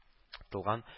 Тылган